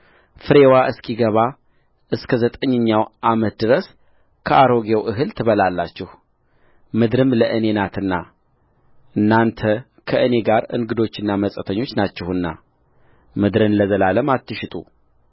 ፍሬዋ እስኪገባ እስከ ዘጠነኛው ዓመት ድረስ ከአሮጌው እህል ትበላላችሁምድርም ለእኔ ናትና እናንተም ከእኔ ጋር እንግዶችና መጻተኞች ናችሁና ምድርን ለዘላለም አትሽጡ